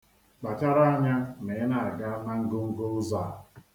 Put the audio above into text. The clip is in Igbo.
Kpachara anya ma ị na-aga na ngongo ụzọ a.